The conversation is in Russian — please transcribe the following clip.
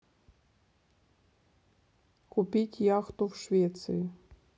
купить яхту в швеции